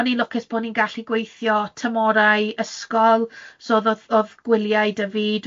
O'n i'n lwcus bo' ni'n gallu gweithio tymhorau ysgol, so oedd oedd oedd gwyliau 'da fi.